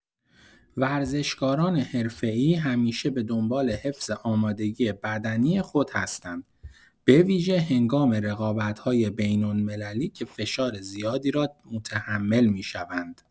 ورزشکاران حرفه‌ای همیشه به دنبال حفظ آمادگی بدنی خود هستند، به‌ویژه هنگام رقابت‌های بین‌المللی که فشار زیادی را متحمل می‌شوند.